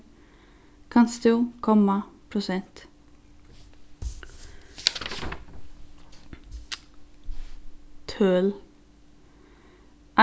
kanst tú komma prosent tøl